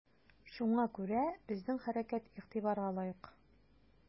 Шуңа күрә безнең хәрәкәт игътибарга лаек.